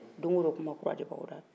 don o don kuma kura de bɛ aw da